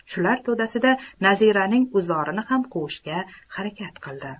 shular to'dasida naziraning uzorini ham quvishga harakat qildi